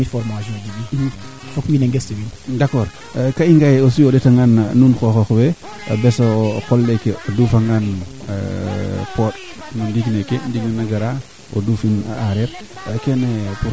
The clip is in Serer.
kaa fi kaa yomba neexa yo kaaga fop kaa ref kaa ando naye faut wiin we ngastu wino yo a jega axo le an naye a jamba no mbuuƴ mbakanin mbuuƴ naa oxe jamb na ndak na o mbakanin maaga no ndak naa